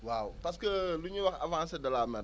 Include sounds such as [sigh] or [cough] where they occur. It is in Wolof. waaw parce que [hesitation] lu ñuy wax avancé de la mer